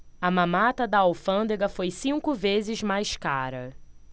a mamata da alfândega foi cinco vezes mais cara